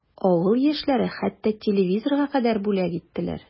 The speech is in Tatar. Авыл яшьләре хәтта телевизорга кадәр бүләк иттеләр.